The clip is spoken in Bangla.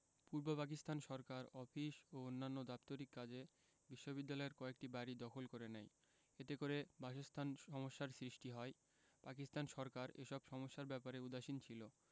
পূর্ব পাকিস্তান সরকার অফিস ও অন্যান্য দাপ্তরিক কাজে বিশ্ববিদ্যালয়ের কয়েকটি বাড়ি দখল করে নেয় এতে করে বাসস্থান সমস্যার সৃষ্টি হয় পাকিস্তান সরকার এসব সমস্যার ব্যাপারে উদাসীন ছিল